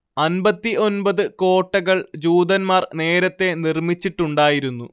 അൻപത്തി ഒൻപത് കോട്ടകൾ ജൂതന്മാർ നേരത്തെ നിർമ്മിച്ചിട്ടുണ്ടായിരുന്നു